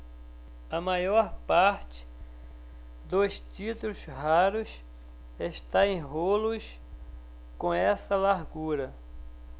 a maior parte dos títulos raros está em rolos com essa largura